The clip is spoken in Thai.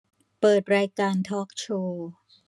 เปิดรายการทอล์คโชว์